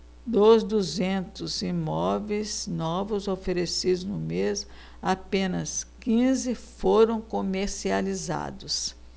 dos duzentos imóveis novos oferecidos no mês apenas quinze foram comercializados